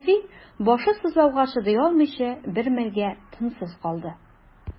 Шәфи, башы сызлауга чыдый алмыйча, бер мәлгә тынсыз калды.